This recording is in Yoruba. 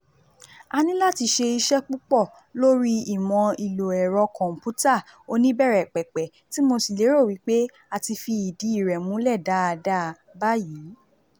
A ní láti ṣe iṣẹ́ púpọ̀ lórí ìmọ̀ ìlò ẹ̀rọ kọ̀m̀pútà oníbẹ̀rẹ̀pẹ̀pẹ̀, tí mo sì lérò wí pé a ti fi ìdí rẹ̀ múlẹ̀ dáadáa báyìí.